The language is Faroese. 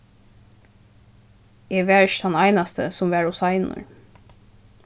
eg var ikki tann einasti sum var ov seinur